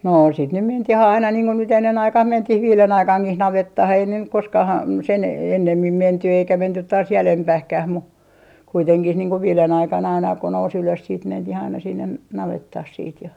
no sitten nyt mentiin aina niin kun nyt ennen aikaan mentiin viiden aikaankin navettaan ei ne nyt koskaan - sen ennemmin menty eikä menty taas jäljempään mutta kuitenkin niin kuin viiden aikaan aina kun nousi ylös sitten mentiin aina sinne navettaan siitä ja